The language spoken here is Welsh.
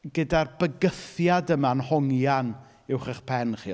gyda'r bygythiad yma'n hongian uwch eich pen chi.